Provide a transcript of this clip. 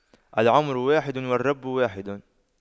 العمر واحد والرب واحد